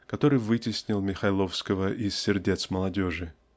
который вытеснил Михайловского из сердец молодежи.